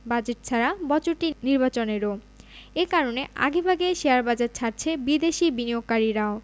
budget ছাড়া বছরটি নির্বাচনেরও এ কারণে আগেভাগে শেয়ারবাজার ছাড়ছে বিদেশি বিনিয়োগকারীরাও